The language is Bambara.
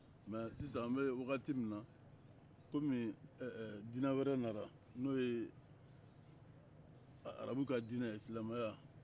mɛ sisan an bɛ wagati min na komi ɛɛ diinɛ wɛrɛ nana n'o ye arabuw ka diinɛ silamɛya